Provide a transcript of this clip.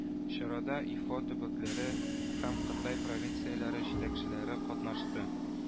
Чарада ИФО төбәкләре һәм Кытай провинцияләре җитәкчеләре катнашты